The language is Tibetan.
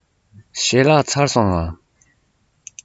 ཞལ ལག ཁ ལག མཆོད བཞེས ཚར སོང ངས